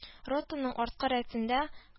Ротаның арткы рәтендә